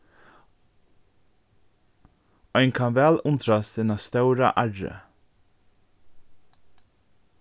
ein kann væl undrast inn á stóra arrið